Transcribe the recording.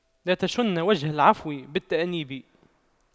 لا تشن وجه العفو بالتأنيب